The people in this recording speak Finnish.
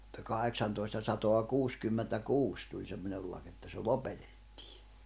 mutta kahdeksantoista sataa kuusikymmentäkuusi tuli semmoinen laki että se lopetettiin